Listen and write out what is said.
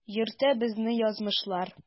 Йөртә безне язмышлар.